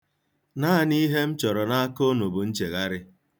Naanị ihe m chọrọ n'aka unu bụ nchegharị.